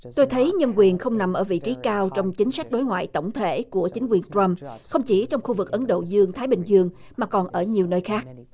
tôi thấy nhân quyền không nằm ở vị trí cao trong chính sách đối ngoại tổng thể của chính quyền trăm không chỉ trong khu vực ấn độ dương thái bình dương mà còn ở nhiều nơi khác